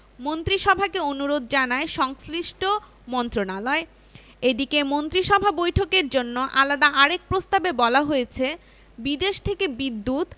মন্ত্রিসভাকে অনুরোধ জানায় সংশ্লিষ্ট মন্ত্রণালয় এদিকে মন্ত্রিসভা বৈঠকের জন্য আলাদা আরেক প্রস্তাবে বলা হয়েছে বিদেশ থেকে বিদ্যুৎ